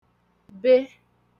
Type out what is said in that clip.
be